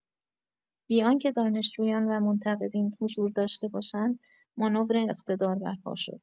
بی‌آنکه دانشجویان و منتقدین حضور داشته باشند، مانور اقتدار برپا شد.